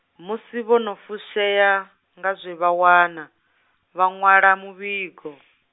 musi vho no fushea, nga zwe vha wana, vha ṅwala muvhigo.